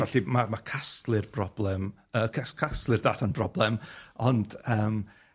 Felly, ma' ma' casglu'r broblem, yy cas- casglu'r data'n broblem, ond yym